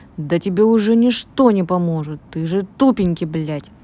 да тебе уже ничто не поможет ты же тупенький блядь